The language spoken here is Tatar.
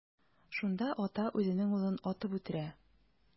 Шунда ата үзенең улын атып үтерә.